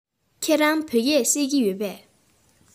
ཁྱེད རང བོད སྐད ཤེས ཀྱི ཡོད པས